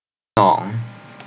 สอง